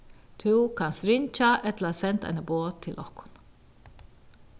tú kanst ringja ella senda eini boð til okkum